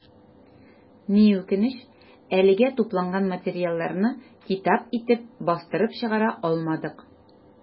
Ни үкенеч, әлегә тупланган материалларны китап итеп бастырып чыгара алмадык.